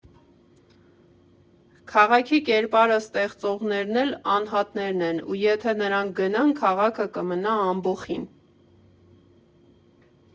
Քաղաքի կերպարը ստեղծողներն էլ անհատներն են, ու եթե նրանք գնան, քաղաքը կմնա ամբոխին։